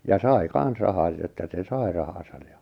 ja sai kanssa rahat että se sai rahansa ja